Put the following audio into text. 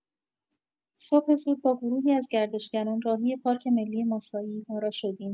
صبح زود، با گروهی از گردشگران راهی پارک ملی ماسایی مارا شدیم.